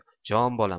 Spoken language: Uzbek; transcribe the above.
jon bolam